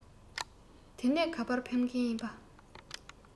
དེ ནས ག པར ཕེབས མཁན ཡིན པྰ